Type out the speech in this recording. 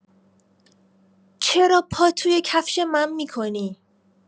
چرا پا توی کفش من می‌کنی.